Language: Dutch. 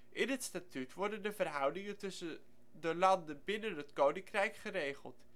In het Statuut worden de verhoudingen tussen de landen binnen het Koninkrijk geregeld